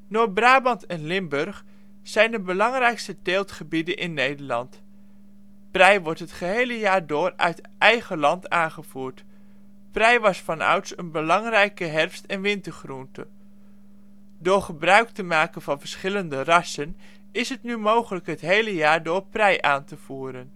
Noord-Brabant en Limburg zijn de belangrijkste teeltgebieden in Nederland. Prei wordt het gehele jaar door uit eigen land aangevoerd. Prei was vanouds een belangrijke herfst - en wintergroente. Door gebruik te maken van verschillende rassen is het nu mogelijk het hele jaar door prei aan te voeren